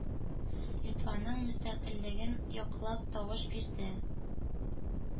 Литваның мөстәкыйльлеген яклап тавыш бирде.